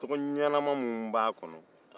tɔgɔ ɲɛnama minnu b'a kɔnɔ